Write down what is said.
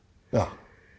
ja.